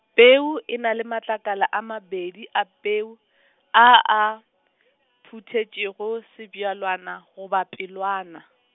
peu e na le matlakala a mabedi a peu , a a, phuthetšego sebjalwana goba pelwana.